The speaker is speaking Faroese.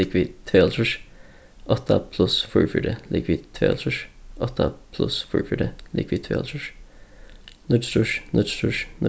ligvið tveyoghálvtrýss átta pluss fýraogfjøruti ligvið tveyoghálvtrýss átta pluss fýraogfjøruti ligvið tveyoghálvtrýss níggjuogtrýss níggjuogtrýss